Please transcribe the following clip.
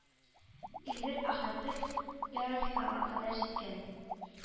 Эльвир Әхәтов ярымфиналга кадәр җиткән